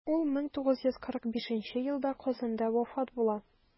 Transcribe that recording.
Ул 1945 елда Казанда вафат була.